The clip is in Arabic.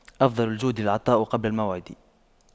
أفضل الجود العطاء قبل الموعد